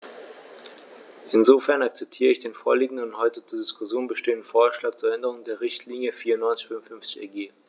Insofern akzeptiere ich den vorliegenden und heute zur Diskussion stehenden Vorschlag zur Änderung der Richtlinie 94/55/EG.